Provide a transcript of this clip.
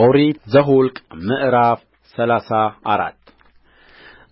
ኦሪት ዘኍልቍ ምዕራፍ ሰላሳ አራት